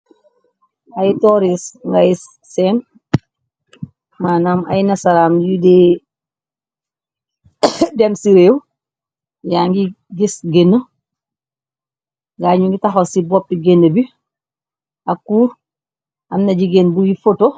Ay tooris ngay seem, manam ay na saram yu dén ci réew, yaa ngi gis géna, gaañu ngi taxal ci boppi génn bi, ak kuur, am na jigéen buy foto.